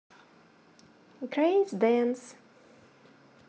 grace dance